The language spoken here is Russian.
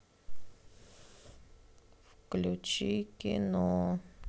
включи кино